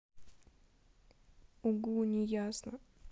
угу не ясно